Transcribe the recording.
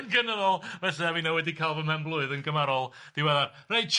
Yn gynyddol felly a fi newydd wedi ca'l fy mewnblwydd yn gymharol ddiweddar. Reit Jerry